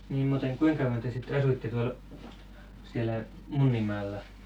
niin muuten kuinka kauan te sitten asuitte tuolla siellä Munnimaalla